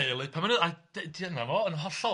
A teulu Penmynydd a dy- dyna fo yn hollol.